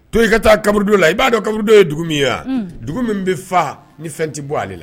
To i ka taa kabdo la i b'a dɔn kabdo ye dugu min ye wa dugu min bɛ faa ni fɛn tɛ bɔ ale la